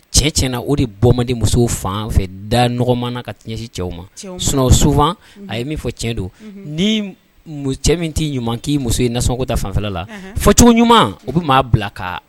Cɛ ti na o de bɔden musow fan fɛ da nɔgɔ mana ka tisin cɛw ma sunɔgɔ sufa a ye min fɔ cɛn don ni cɛ min t'i ɲuman k'i muso ye nasɔngo ta fanfɛ la fɔ cogo ɲuman u bɛ maa bila ka